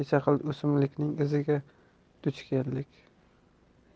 necha xil o'simlikning iziga duch keldik